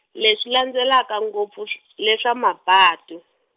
leswi landzelaka ngopfu , leswa mabatu-.